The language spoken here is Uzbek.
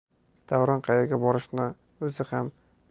davron qaerga borishini o'zi ham